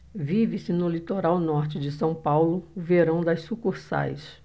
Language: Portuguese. vive-se no litoral norte de são paulo o verão das sucursais